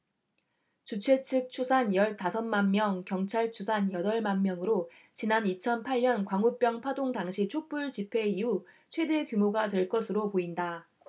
주최측 추산 열 다섯 만명 경찰 추산 여덟 만명으로 지난 이천 팔 년 광우병 파동 당시 촛불집회 이후 최대 규모가 될 것으로 보인다